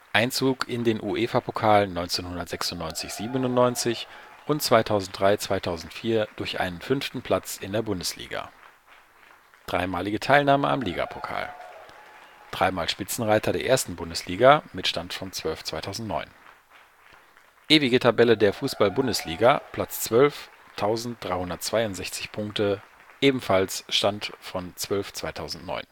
Einzug in den UEFA-Pokal 1996 / 97 und 2003/2004 durch einen 5. Platz in der Bundesliga dreimalige Teilnahme am Ligapokal Dreimal Spitzenreiter der 1. Bundesliga (Stand: 12/2009) Ewige Tabelle der Fußball-Bundesliga: Platz 12, 1362 Punkte (Stand: 12/2009